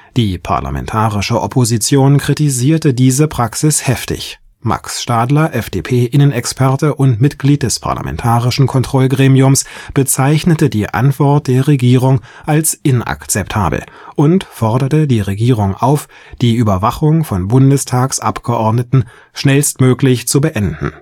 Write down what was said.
Die parlamentarische Opposition kritisierte diese Praxis heftig. Max Stadler, FDP-Innenexperte und Mitglied des Parlamentarischen Kontrollgremiums, bezeichnete die Antwort der Regierung als „ inakzeptabel “und forderte die Regierung auf, die Überwachung von Bundestagsabgeordneten schnellstmöglich zu beenden